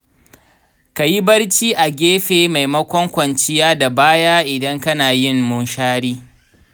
ka yi barci a gefe maimakon kwanciya da baya idan kana yin munshari.